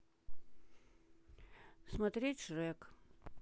смотреть шрек